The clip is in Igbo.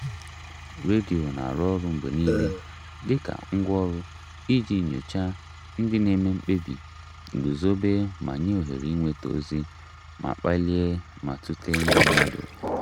Redio na-arụ ọrụ mgbe niile dị ka ngwaọrụ iji nyochaa ndị na-eme mkpebi, gụzọbe ma nye ohere ịnweta ozi, ma kpalie ma tụtee ndị mmadụ.